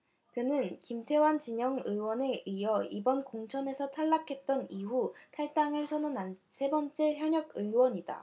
그는 김태환 진영 의원에 이어 이번 공천에서 탈락한 이후 탈당을 선언한 세 번째 현역 의원이다